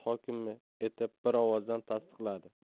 hokimi etib bir ovozdan tasdiqladi